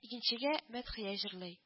Игенчегә мәдхия җырлый